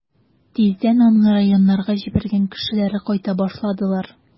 Тиздән аның районнарга җибәргән кешеләре кайта башладылар.